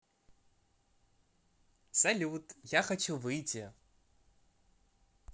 салют я хочу выйти